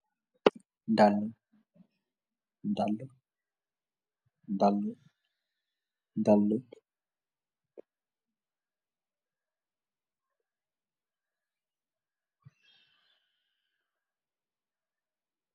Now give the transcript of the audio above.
Daala daala daala daala.